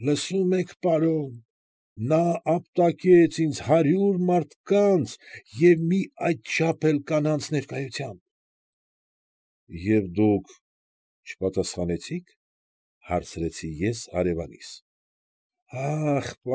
Լսո՞ւմ եք, պարոն, նա ապտակեց ինձ հարյուր մարդկանց և մի այդչափ էլ կանանց ներկայությամբ։ ֊ Եվ դուք չպատասխանեցի՞ք,֊ հարցրի ես հարևանիս։ ֊ Ա՜խ,